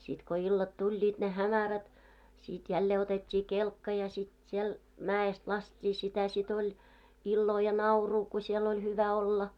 sitten kun illat tulivat ne hämärät sitten jälleen otettiin kelkka ja sitten siellä mäestä laskettiin sitä sitten oli iloa ja naurua kun siellä oli hyvä olla